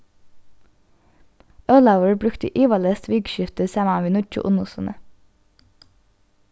ólavur brúkti ivaleyst vikuskiftið saman við nýggju unnustuni